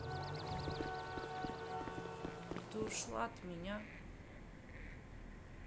ты ушла от меня